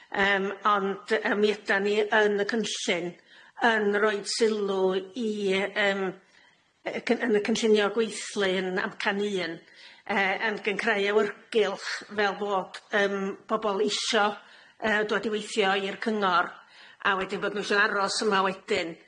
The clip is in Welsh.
Yym ond y- mi ydan ni yn y cynllun yn roid sylw i yym y- cyn- yn y cynllunio gweithlu yn amcan un y- yn creu awyrgylch fel fod yym pobol isio y- dod i weithio i'r cyngor, a wedyn bod nw isio aros yma wedyn.